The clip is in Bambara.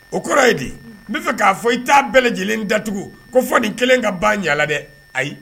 O kɔrɔ ye di n'a fɛ k'a fɔ i t'a bɛɛ lajɛlen datugu ko fɔ nin kelen ka ban ɲɛla dɛ ayi